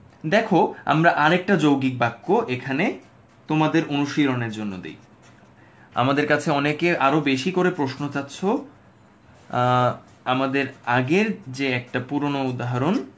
দেখো আমরা আরেকটা যৌগিক বাক্য এখানে তোমাদের অনুশীলনের জন্য দিব আমাদের কাছে অনেকে আরও বেশি করে প্রশ্ন চাচ্ছ আমাদের আগের যে একটা পুরনো উদাহরণ